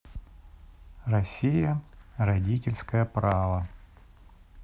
россия родительское право